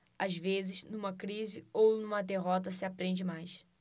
às vezes numa crise ou numa derrota se aprende mais